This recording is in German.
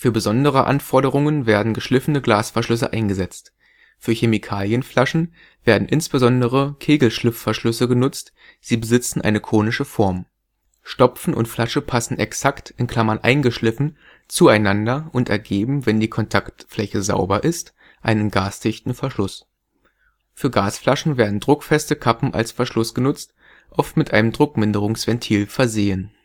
besondere Anforderungen werden geschliffene Glasverschlüsse eingesetzt. Für Chemikalienflaschen werden insbesondere Kegelschliffverschlüsse genutzt, sie besitzen eine konische Form. Stopfen und Flasche passen exakt (eingeschliffen) zueinander und ergeben – wenn die Kontaktfläche sauber ist – einen gasdichten Verschluss. Für Gasflaschen werden druckfeste Kappen als Verschluss genutzt, oft mit einem Druckminderungsventil versehen